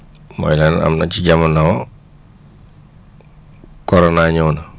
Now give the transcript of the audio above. mooy lenn am na ci jamono corona ñëw na